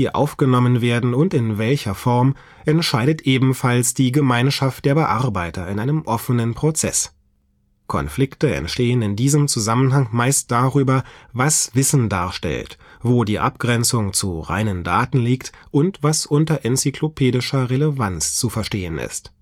aufgenommen werden und in welcher Form, entscheidet ebenfalls die Gemeinschaft der Bearbeiter in einem offenen Prozess. Konflikte entstehen in diesem Zusammenhang meist darüber, was „ Wissen “darstellt, wo die Abgrenzung zu reinen Daten liegt und was unter enzyklopädischer Relevanz zu verstehen ist